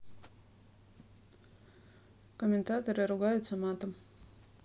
комментаторы ругаются матом